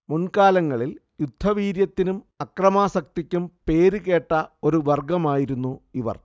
മുൻകാലങ്ങളിൽ യുദ്ധവീര്യത്തിനും അക്രമാസക്തിക്കും പേരുകേട്ട ഒരു വർഗ്ഗമായിരുന്നു ഇവർ